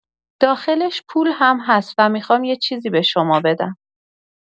داخلش پول هم هست و می‌خوام یه چیزی به شما بدم.